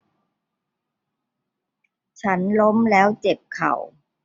ฉันล้มแล้วเจ็บเข่า